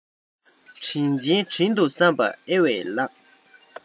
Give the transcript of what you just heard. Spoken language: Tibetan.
དྲིན ཅན དྲིན དུ བསམས པ ཨེ ཝེས ལགས